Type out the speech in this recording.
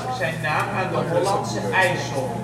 zijn naam aan de Hollandse IJssel